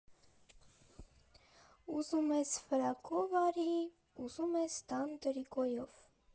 Ուզում ես՝ ֆրակով արի, ուզում ես՝ տան տրիկոյով։